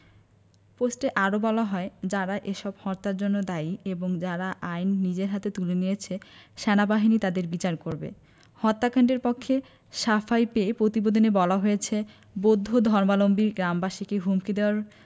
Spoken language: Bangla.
পোস্টে আরো বলা হয় যারা এসব হত্যার জন্য দায়ী এবং যারা আইন নিজের হাতে তুলে নিয়েছে সেনাবাহিনী তাদের বিচার করবে হত্যাকাণ্ডের পক্ষে সাফাই গেয়ে প্রতিবেদনে বলা হয়েছে বৌদ্ধ ধর্মাবলম্বী গ্রামবাসীকে হুমকি দেওয়ায়